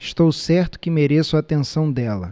estou certo que mereço atenção dela